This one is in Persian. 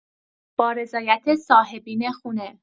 با رضایت صاحبین خونه